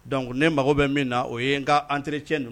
Donc ne mago bɛ min na , o ye n ka antretien